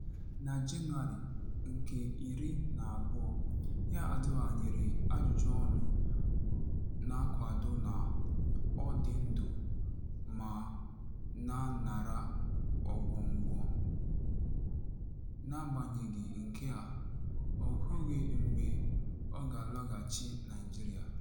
Na Jenụwarị 12th, Yar'Adua nyere ajụjụọnụ na-akwado na ọ dị ndụ ma na-anara ọgwụgwọ, n'agbanyeghị nke a, o kwughị mgbe ọ ga-alọghachi Naịjirịa.